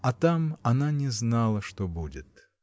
А там она не знала, что будет.